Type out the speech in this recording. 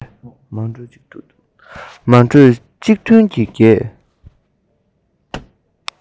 མ གྲོས གཅིག མཐུན གྱིས བགད